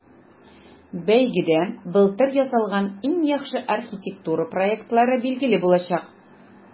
Бәйгедә былтыр ясалган иң яхшы архитектура проектлары билгеле булачак.